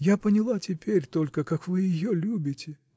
Я поняла теперь только, как вы ее любите.